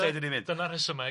Dyna'r rhesymeg.